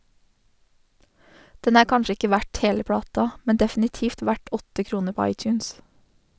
Den er kanskje ikke verd hele plata, men definitivt verd åtte kroner på iTunes.